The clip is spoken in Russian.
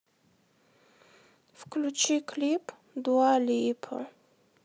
включи клип дуа липа